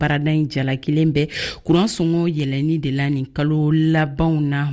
baarada in jalakilen bɛ kuran sɔngɔ yɛlɛnni de la nin kalo labanw na